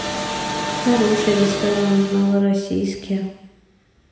хороший ресторан в новороссийске